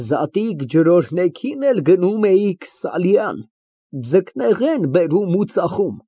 Զատիկ֊ջրօրհնենքին էլ գնում էիք Սալիան, ձկնեղեն բերում ու ծախում։